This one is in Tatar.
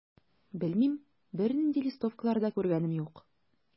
Белмим, бернинди листовкалар да күргәнем юк.